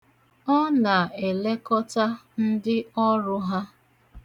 Ọ na-elekọta ndị ọrụ ha.